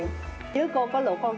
trước cô có luộc